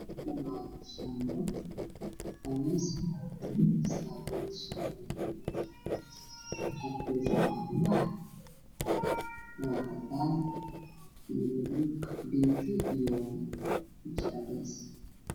Waa miis waxaa saaran caadada farabadan midabkoodu ka leeyahay caddaan guduud